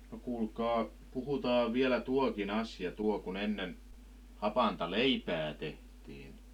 no kuulkaa puhutaan vielä tuokin asia tuo kun ennen hapanta leipää tehtiin